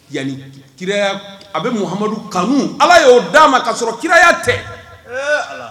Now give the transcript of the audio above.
Yanani kira a bɛ mumadu kanuun ala y'o d'a ma ka sɔrɔ kiraya tɛ ala